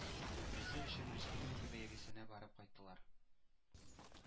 Призы өчен республика бәйгесенә барып кайттылар.